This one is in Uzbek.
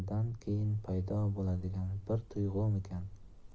paydo bo'ladigan bir tuyg'umikin